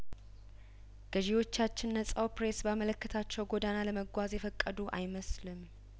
ገዢዎቻችን ነጻው ፕሬስ ባመ ለከታቸው ጐዳና ለመጓዝ የፈቀዱ አይመስልም